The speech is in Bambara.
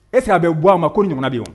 Ese a bɛ bɔ' a ma ko ɲɔgɔnna bɛ yen wa